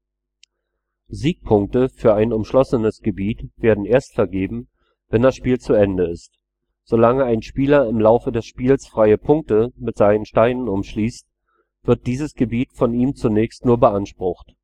Siegpunkte für ein umschlossenes Gebiet werden erst vergeben, wenn das Spiel zu Ende ist; so lange ein Spieler im Laufe des Spiels freie Punkte mit seinen Steinen umschließt, wird dieses Gebiet von ihm zunächst nur beansprucht